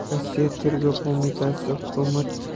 rossiya tergov qo'mitasihukumat